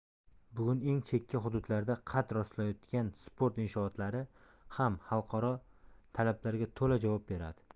bugun eng chekka hududlarda qad rostlayotgan sport inshootlari ham xalqaro talablarga to'la javob beradi